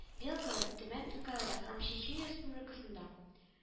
Белгород, Төмән өлкәләре һәм Чечен Республикасында